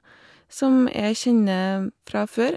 Som jeg kjenner fra før.